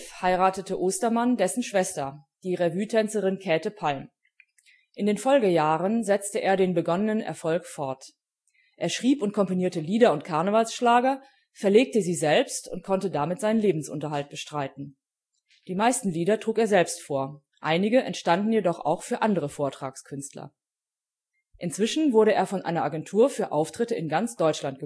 heiratete Ostermann dessen Schwester, die Revuetänzerin Käte Palm. In den Folgejahren setzte er den begonnenen Erfolg fort. Er schrieb und komponierte Lieder und Karnevalsschlager, verlegte sie selbst und konnte damit seinen Lebensunterhalt bestreiten. Die meisten Lieder trug er selbst vor; einige entstanden jedoch auch für andere Vortragskünstler. Inzwischen wurde er von einer Agentur für Auftritte in ganz Deutschland